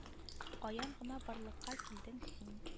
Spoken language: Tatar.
Каян гына барлыкка килдең син